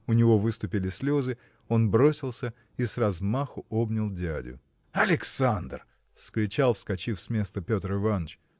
У него выступили слезы; он бросился и с размаху обнял дядю. – Александр! – вскричал вскочив с места Петр Иваныч